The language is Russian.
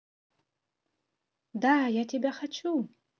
да я тебя хочу